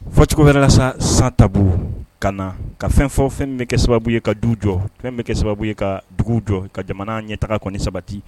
Fɔ cogo wɛrɛ la san ta ka na ka fɛn fɔ o fɛn bɛ kɛ sababu ye ka du jɔ fɛn bɛ kɛ sababu ye ka dugu jɔ ka jamana ɲɛ taga kɔni sabati